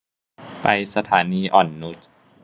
ไปสถานีอ่อนนุช